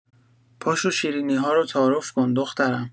پاشو شیرینی‌ها رو تعارف کن دخترم.